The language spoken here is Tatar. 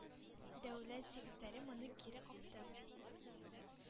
Дәүләт секретаре моны кире какты